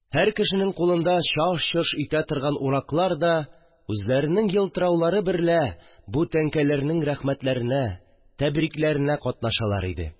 Һәр кешенең кулында чаж-чож итә торган ураклар да үзләренең елтыраулары берлә бу тәңкәләрнең рәхмәтләренә, тәбрикләренә катнашалар иде